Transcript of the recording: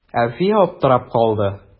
Әлфия аптырап калды.